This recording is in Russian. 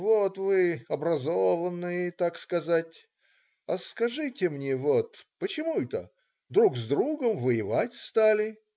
"Вот вы образованный, так сказать, а скажите мне вот: почему это друг с другом воевать стали?